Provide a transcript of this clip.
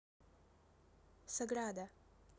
саграда